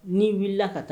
Ni wulila ka taa